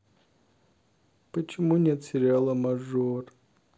почему нет сериала мажор